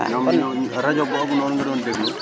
ñoom ñoonu rajo boobu noonu nga doon déglu